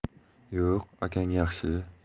yo'q akang yaxshi